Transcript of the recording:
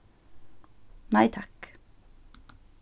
nei takk